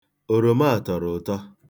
Oroma a tọrọ ụtọ.